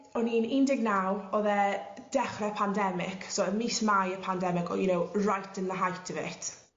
o'n i'n un deg naw o'dd e dechre pandemic so ym mis Mai y pandemic o' you know right in the height of it